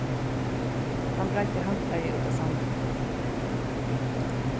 hann breiddi handklæðið út á sandin